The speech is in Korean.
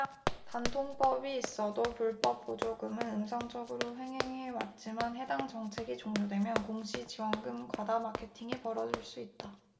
단통법이 있어도 불법 보조금은 음성적으로 횡행해왔지만 해당 정책이 종료되면 공시지원금 과다 마케팅이 벌어질 수 있다